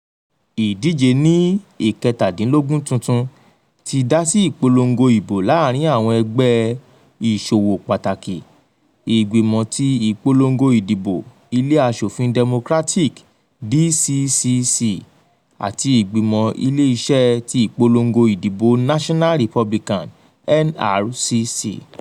Ìdíje ní 17th tuntun ti dásí ìpòlòngo ìbò láàrín àwọn ẹgbẹ́ ìṣòwò pàtàkì, Ìgbìmọ̀ ti Ìpòlòngo Ìdìbò Ilé Aṣòfin Democratic (DCCC) àti Ìgbìmọ̀ Ilé-iṣẹ́ ti Ìpòlòngo Ìdìbò National Republican (NRCC).